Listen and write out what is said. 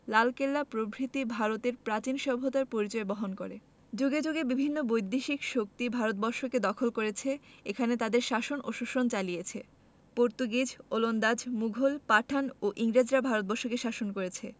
লালকেল্লা প্রভৃতি ভারতের প্রাচীন সভ্যতার পরিচয় বহন করেযুগে যুগে বিভিন্ন বৈদেশিক শক্তি ভারতবর্ষকে দখল করেছে এখানে তাদের শাসন ও শোষণ চালিছে পর্তুগিজ ওলন্দাজ মুঘল পাঠান ও ইংরেজরা ভারত বর্ষকে শাসন করেছে